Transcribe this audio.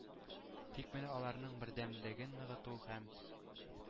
Тик менә аларның бердәмлеген ныгыту һәм